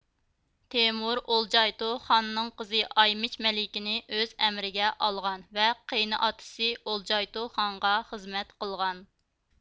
تېمۇر ئولجايتۇ خاننىڭ قىزى ئايمىچ مەلىكىنى ئۆز ئەمرىگە ئالغان ۋە قېينىئاتىسى ئولجايتۇ خانغا خىزمەت قىلغان